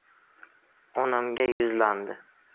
onamga yuzlandi